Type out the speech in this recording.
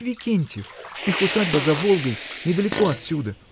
— Викентьев: их усадьба за Волгой, недалеко отсюда.